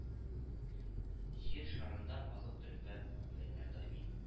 Ир шарында азык-төлеккә бәяләр даими